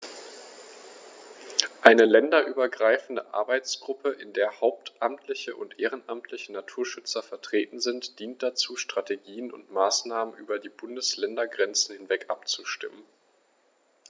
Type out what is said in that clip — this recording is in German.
Eine länderübergreifende Arbeitsgruppe, in der hauptamtliche und ehrenamtliche Naturschützer vertreten sind, dient dazu, Strategien und Maßnahmen über die Bundesländergrenzen hinweg abzustimmen.